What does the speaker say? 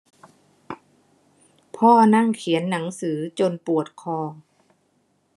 พ่อนั่งเขียนหนังสือจนปวดคอ